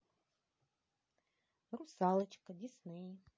русалочка дисней